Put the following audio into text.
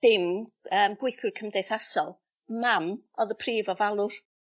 Dim yym gweithwyr cymdeithasol. Mam o'dd y prif ofalwr.